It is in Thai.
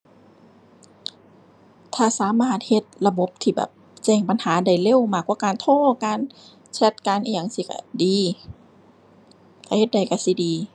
ถ้าสามารถเฮ็ดระบบที่แบบแจ้งปัญหาได้เร็วมากกว่าการโทร การแชต การอิหยังจั่งซี้ก็ดี ถ้าเฮ็ดได้ก็สิดี